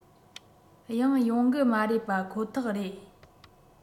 ཡང ཡོང གི མ རེད པ ཁོ ཐག རེད